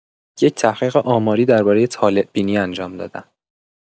یک تحقیق آماری دربارۀ طالع‌بینی انجام دادم.